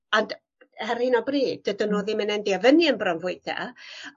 Ag yy ar hyn o bryd dydyn n'w ddim yn endio fyny yn bronfwyda